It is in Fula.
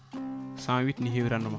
108 ne heewi rendement